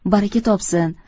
baraka topsin